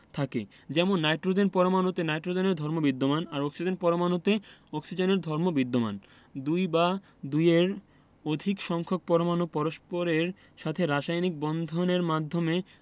থাকে যেমন নাইট্রোজেনের পরমাণুতে নাইট্রোজেনের ধর্ম বিদ্যমান আর অক্সিজেনের পরমাণুতে অক্সিজেনের ধর্ম বিদ্যমান দুই বা দুইয়ের অধিক সংখ্যক পরমাণু পরস্পরের সাথে রাসায়নিক বন্ধন এর মাধ্যমে